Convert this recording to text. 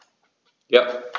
Ja.